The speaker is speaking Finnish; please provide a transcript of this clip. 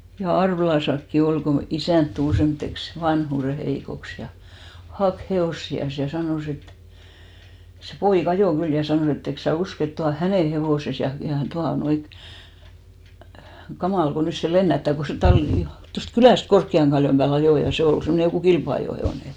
ja Arvelassakin oli kun isäntä tuli semmoiseksi vanhuuden heikoksi ja haki hevosiansa ja sanoi että se poika ajoi kyllä ja sanoi että etkös sinä usko että tuo on hänen hevosensa ja ja tuota noin kamala kun nyt se lennättää kun se talli tuosta kylästä Korkean kallion päälle ajoi ja se oli semmoinen joku kilpa-ajohevonen